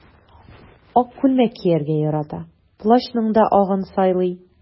Ак күлмәк кияргә ярата, плащның да агын сайлый.